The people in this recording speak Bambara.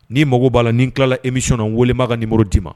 Ni mago b'a ni tilala emi sɔn weelema ka nin mori d'i ma